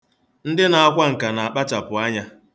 Ndị na-akwa nka na-akpachapụ anya.